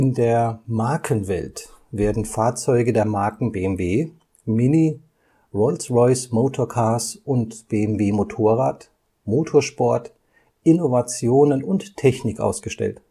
der Markenwelt werden Fahrzeuge der Marken BMW, MINI, Rolls-Royce Motor Cars und BMW Motorrad, Motorsport, Innovationen und Technik ausgestellt